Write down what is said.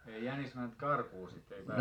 ei jänis mennyt karkuun sitten ei päässyt